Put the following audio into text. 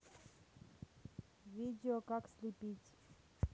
видео как слепить